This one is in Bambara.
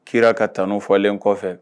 Ki ka taa fɔlen kɔfɛ